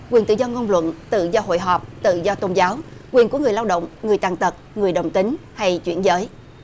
quyền tự do ngôn luận tự do hội họp tự do tôn giáo quyền của người lao động người tàn tật người đồng tính hay chuyển giới